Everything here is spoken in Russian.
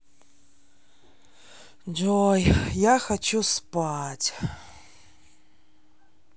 джой я хочу спать